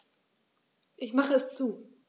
Ich mache es zu.